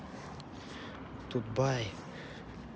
тут бай